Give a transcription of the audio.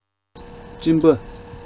སྤྲིན པ